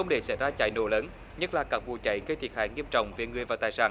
không để xảy ra cháy nổ lớn nhất là các vụ cháy gây thiệt hại nghiêm trọng về người và tài sản